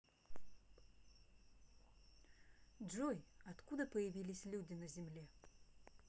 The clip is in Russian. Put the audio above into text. джой откуда появились люди на земле